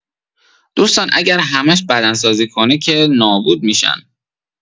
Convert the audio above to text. دوستان اگر همش بدنسازی کنه که نابود می‌شن